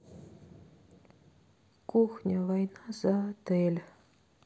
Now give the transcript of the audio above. кухня война за отель